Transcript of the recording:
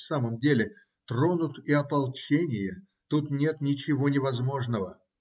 В самом деле, тронут и ополчение - тут нет ничего невозможного.